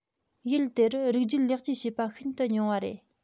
ཡུལ དེ རུ རིགས རྒྱུད ལེགས བཅོས བྱས པ ཤིན ཏུ ཉུང བ རེད